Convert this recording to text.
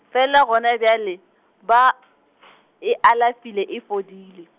fela gona bjale, ba , e alafile e fodile.